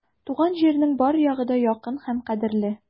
Туган җирнең бар ягы да якын һәм кадерле.